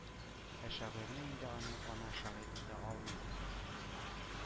Ә шагыйрьне инде аны ана шагыйрь итә алмый.